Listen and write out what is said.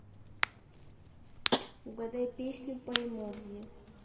угадай песню по эмодзи